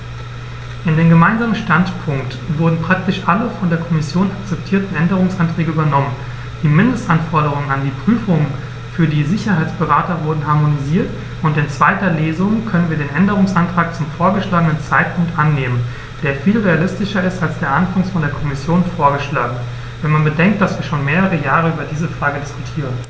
In den gemeinsamen Standpunkt wurden praktisch alle von der Kommission akzeptierten Änderungsanträge übernommen, die Mindestanforderungen an die Prüfungen für die Sicherheitsberater wurden harmonisiert, und in zweiter Lesung können wir den Änderungsantrag zum vorgeschlagenen Zeitpunkt annehmen, der viel realistischer ist als der anfangs von der Kommission vorgeschlagene, wenn man bedenkt, dass wir schon mehrere Jahre über diese Frage diskutieren.